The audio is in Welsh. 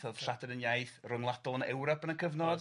So o'dd Lladin yn iaith ryngwladol yn Ewrop yn y cyfnod.